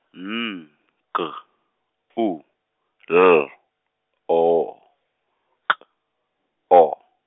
N, G, U, L, O, K, O.